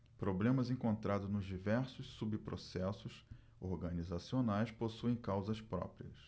problemas encontrados nos diversos subprocessos organizacionais possuem causas próprias